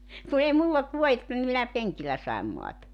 kun ei minulla ollut vuodetta niin minä penkillä sain maata